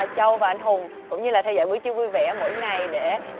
châu và anh hùng cũng như là theo dõi buổi trưa vui vẻ mỗi ngày để